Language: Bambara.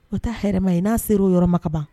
O taa hɛrɛ ma in n'a sera o yɔrɔma kaban